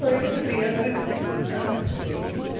Trying to be aloof and petite.